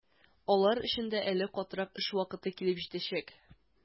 Алар өчен дә әле катырак эш вакыты килеп җитәчәк.